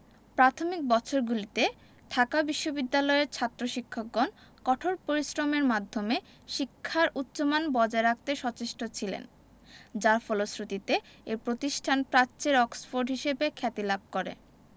প্রাথমিক বছরগুলিতে ঢাকা বিশ্ববিদ্যালয়ের ছাত্র শিক্ষকগণ কঠোর পরিশ্রমের মাধ্যমে শিক্ষার উচ্চমান বজায় রাখতে সচেষ্ট ছিলেন যার ফলশ্রুতিতে এ প্রতিষ্ঠান প্রাচ্যের অক্সফোর্ড হিসেবে খ্যাতি লাভ করে